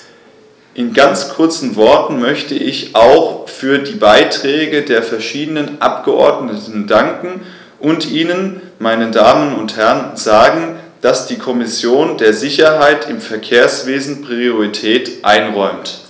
In ganz kurzen Worten möchte ich auch für die Beiträge der verschiedenen Abgeordneten danken und Ihnen, meine Damen und Herren, sagen, dass die Kommission der Sicherheit im Verkehrswesen Priorität einräumt.